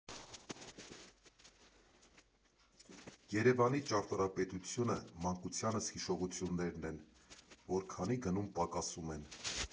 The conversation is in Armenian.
Երևանի ճարտարապետությունը՝ մանկությանս հիշողություններն են, որ քանի գնում պակասում են։